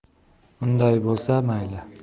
unday bo'lsa mayli